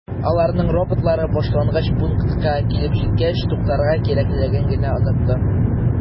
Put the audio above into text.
Аларның роботлары башлангыч пунктка килеп җиткәч туктарга кирәклеген генә “онытты”.